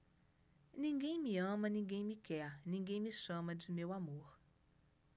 ninguém me ama ninguém me quer ninguém me chama de meu amor